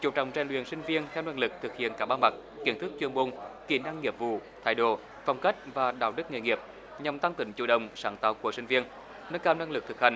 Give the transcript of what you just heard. chú trọng rèn luyện sinh viên theo năng lực thực hiện cả ba mặt kiến thức chuyên môn kỹ năng nghiệp vụ thái độ phong cách và đạo đức nghề nghiệp nhằm tăng tính chủ động sáng tạo của sinh viên nâng cao năng lực thực hành